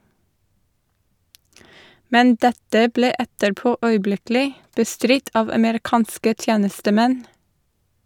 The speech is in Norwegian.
Men dette ble etterpå øyeblikkelig bestridt av amerikanske tjenestemenn.